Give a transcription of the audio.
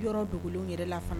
Yɔrɔ dugu yɛrɛ la fana